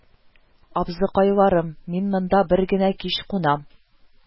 – абзыкайларым, мин монда бер генә кич кунам